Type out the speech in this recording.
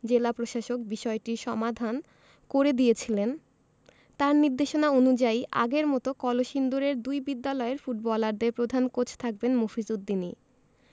জেলা প্রশাসক বিষয়টির সমাধান করে দিয়েছিলেন তাঁর নির্দেশনা অনুযায়ী আগের মতো কলসিন্দুরের দুই বিদ্যালয়ের ফুটবলারদের প্রধান কোচ থাকবেন মফিজ উদ্দিনই